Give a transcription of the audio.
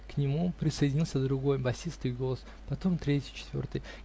к нему присоединился другой, басистый голос, потом третий, четвертый.